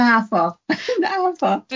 Naddo naddo,